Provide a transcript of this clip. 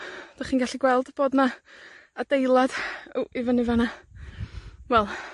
'Dych chi'n gallu gweld bod 'na adeilad, ww, i fyny fan 'na? Wel,